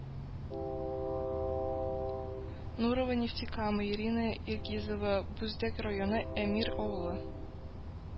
Нурова Нефтекама, Ирина Ергизова Бүздәк районы, Әмир авылы